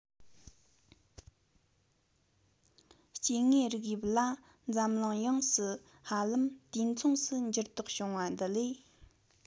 སྐྱེ དངོས རིགས དབྱིབས ལ འཛམ གླིང ཡོངས སུ ཧ ལམ དུས མཚུངས སུ འགྱུར ལྡོག བྱུང བ འདི ལས